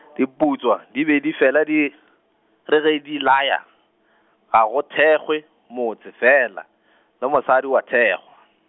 diputswa di be di fela di, ke ge di laya, ga go thekgwe motse fela, le mosadi o a thekgwa.